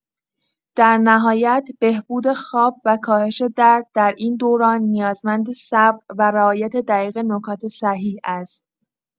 در نهایت، بهبود خواب و کاهش درد در این دوران نیازمند صبر و رعایت دقیق نکات صحیح است.